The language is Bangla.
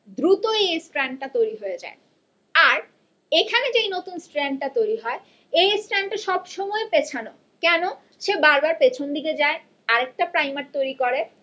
দ্রুত এই স্ট্র্যান্ডটা তৈরি হয়ে যায় আর এইখানে যে নতুন স্ট্র্যান্ডটা তৈরি হয় এই স্ট্র্যান্ডটা সবসময় পেছানো কেন সে বারবার পেছন দিকে যায় আরেকটা প্রাইমার তৈরি করে